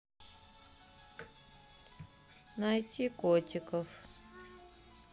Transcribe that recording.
найти котиков